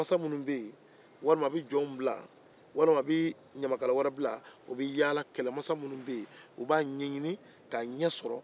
a bi jɔnw walima ɲamakalaw bila ka yaala k'a ɲɛɲini